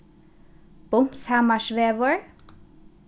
bumshamarsvegur